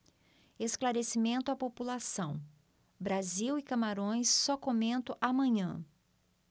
esclarecimento à população brasil e camarões só comento amanhã